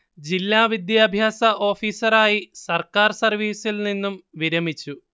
ജില്ലാ വിദ്യാഭ്യാസ ഓഫീസറായി സർക്കാർ സർവീസിൽ നിന്നും വിരമിച്ചു